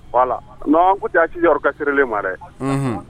Ko a yɔrɔ ka siralen ma dɛ